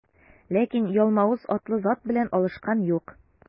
Ләкин Ялмавыз атлы зат белән алышкан юк.